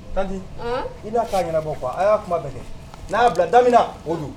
Kadi i'a'a ɲɛnabɔ fɔ a y'a kuma bɛn kɛ n'a bila damin o don